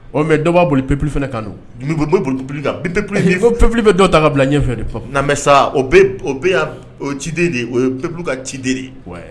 Ɔ mɛ dɔ b'a boli peuple fɛnɛ kan dun mun be b mun be boli peuple kan peuple bɛ dɔ ta k'a bila ɲɛfɛ de pap na mɛ saa o be o be yan o ye ciden de ye o ye peuple ka ciden de ye